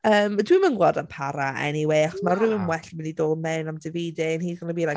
Yym dwi'm yn gweld e'n para eniwe achos... na ...mae rhywun well yn mynd i ddod mewn am Davide and he gonna be like...